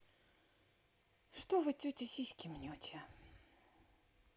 что вы тетя сиськи мнете